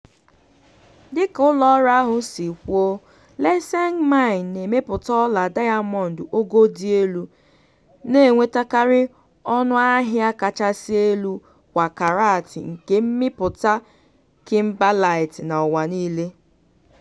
Dịka ụlọọrụ ahụ si kwuo, Letšeng Mine na-emepụta ọla dayamọndụ ogo dị elu, na-enwetakarị ọnụahịa kachasị elu kwa karat nke mmịpụta kimberlite n'ụwa niile.